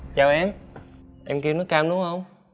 chào em em kêu nước cam đúng không